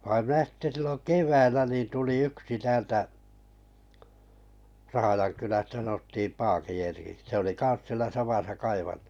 vaan minä sitten silloin keväällä niin tuli yksi täältä Rahjankylästä sanottiin Paakin Erkiksi se oli kanssa siellä samassa kaivannossa